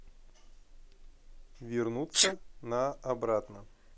вернуться на обратно